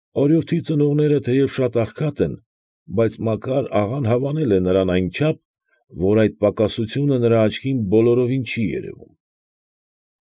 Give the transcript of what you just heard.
Օրիորդի ծնողները թեև շատ աղքատ են, բայց Մակար աղան հավանել է նրան այնչափ, որ այդ պակասությունը նրա աչքին բոլորովին չի երևում։